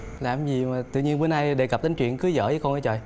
làm gì mà tự nhiên bữa nay đề cập đến chuyện cưới vợ với con hả trời